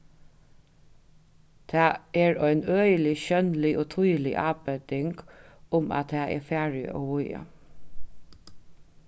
tað er ein øgilig sjónlig og týðilig ábending um at tað er farið ov víða